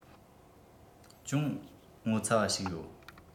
ཅུང ངོ ཚ བ ཞིག ཡོད